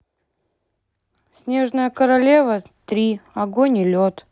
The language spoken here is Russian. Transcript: снежная королева три огонь и лед